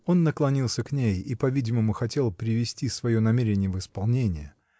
Он наклонился к ней и, по-видимому, хотел привести свое намерение в исполнение.